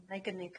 'Na i gynnig.